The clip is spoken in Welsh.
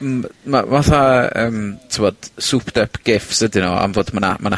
...m- ma fatha yym, t'mod souped up gifs ydyn am fod ma' 'na ma' 'na...